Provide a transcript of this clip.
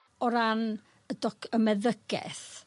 O ran y doc- y meddygeth,...